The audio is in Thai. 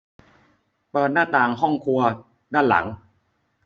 เปิดหน้าต่างห้องครัวด้านหลัง